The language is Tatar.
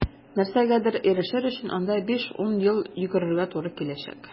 Нәрсәгәдер ирешер өчен анда 5-10 ел йөгерергә туры киләчәк.